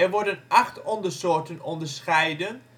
worden acht ondersoorten onderscheiden